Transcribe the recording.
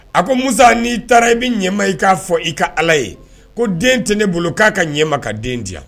A ko mu n'i taara i bɛ ɲɛma i'a fɔ i ka ala ye ko den tɛ ne bolo k'a ka ɲɛma ka den diya